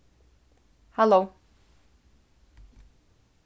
halló